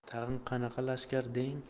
tag'in qanaqa lashkar deng